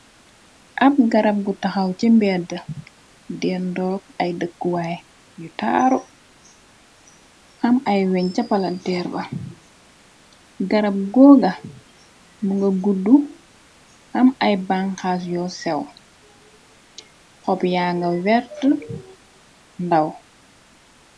Ab garab gu taxaw ci mbedd, deen doog ay dëkkuwaay yu taaru, am ay weñ ca palanteer ba, garab góoga mu nga guddu am ay banxaas yoo sew, xob yaa nga werta ndaw.